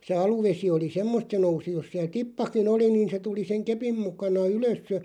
se aluvesi oli semmoista se nousi jos siellä tippakin oli niin se tuli sen kepin mukana ylös ja